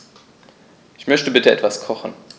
Ich möchte bitte etwas kochen.